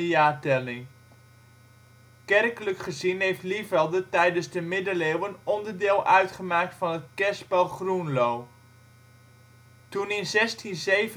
jaartelling). Kerkelijk gezien heeft Lievelde tijdens de Middeleeuwen onderdeel uitgemaakt van het kerspel Groenlo. Toen in 1627